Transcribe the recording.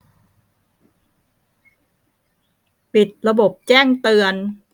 ปิดระบบแจ้งเตือน